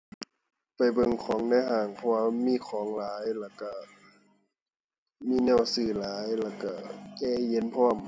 ไปเบิ่งของในห้างเพราะว่ามันมีของหลาย แล้วก็มีแนวซื้อหลาย แล้วก็แอร์เย็นพร้อม